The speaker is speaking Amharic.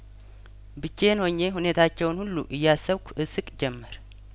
ብቻዬን ሆኜ ሁኔታቸውን ሁሉ እያሰብኩ እስቅ ጀመር